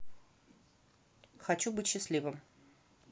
хочу быть счастливым